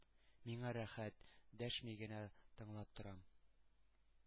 Миңа рәхәт, дәшми генә тыңлап торам,